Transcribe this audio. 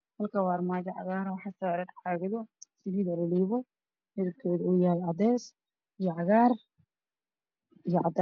Halkaan waxaa saraan armaajo cagaar ah oo saaran saliid saytuun midabka armajada cagaar iyo cadays